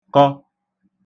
kọ